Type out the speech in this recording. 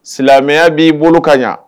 Silamɛya b'i bolo ka ɲɛ